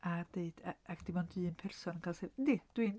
A deud a ac dim ond un person yn cael se-... Yndi dwi'n...